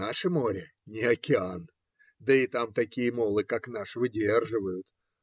Наше море не океан, да и там такие молы, как наш, выдерживают